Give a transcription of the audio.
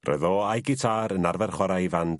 Roedd o a'i gitâr yn arfer chwara i fand...